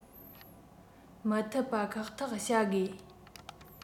མི ཐུབ པ ཁག ཐེག བྱ དགོས